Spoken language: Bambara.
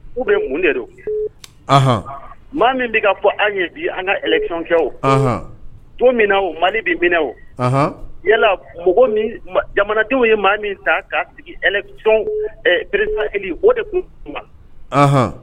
U bɛ mun de don mɔgɔ min bɛ ka fɔ anw ye bi an kakɛ o to min mali bɛ minɛ o yala jamanadenw ye maa min ta kaa sigi pere o de tun